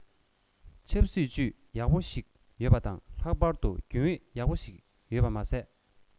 ཆབ སྲིད ཅུད ཡག པོ ཞིག ཡོད ཞིག ཡོད པ དང ལྷག པར དུ རྒྱུན ཨུད ཡག པོ ཞིག ཡོད པ མ ཟད